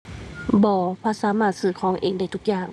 บ่ เพราะสามารถซื้อของเองได้ทุกอย่าง